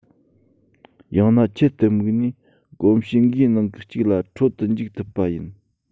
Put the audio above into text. ཡང ན ཆེད དུ དམིགས ནས གོམས གཤིས འགའི ནང གི གཅིག ལ འཕྲོད དུ འཇུག ཐུབ པ ཡིན